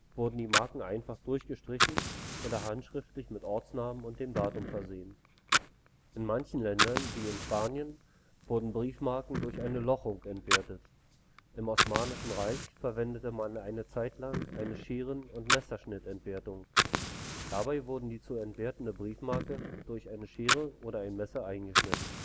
wurden die Marken einfach durchgestrichen oder handschriftlich mit Ortsnamen und dem Datum versehen. In manchen Ländern, wie in Spanien, wurden Briefmarken durch eine Lochung entwertet. Im Osmanischen Reich verwendete man eine Zeit lang eine Scheren - oder Messerschnittentwertung. Dabei wurde die zu entwertende Briefmarke durch eine Schere oder ein Messer eingeschnitten